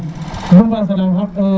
i yarator nu mbasa naam xaq hum